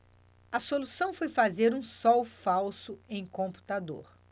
a solução foi fazer um sol falso em computador